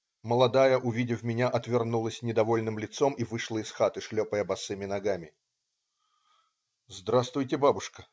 Молодая, увидев меня, отвернулась недовольным лицом и вышла из хаты, шлепая босыми ногами. "Здравствуйте, бабушка!